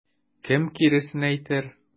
Кем киресен әйтер?